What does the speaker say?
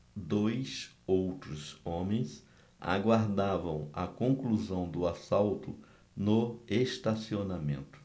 dois outros homens aguardavam a conclusão do assalto no estacionamento